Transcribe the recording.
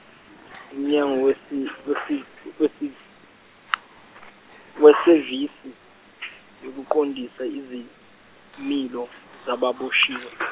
uMnyango weSi- weSi- weSi- weSevisi yokuqondisa izimilo zababoshiwe.